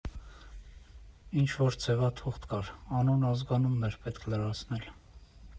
Ինչ֊որ ձևաթուղթ կար՝ անուն ազգանունն էր պետք լրացնել։